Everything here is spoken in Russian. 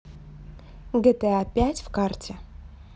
gta пять в карте